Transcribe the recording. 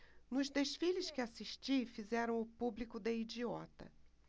nos desfiles que assisti fizeram o público de idiota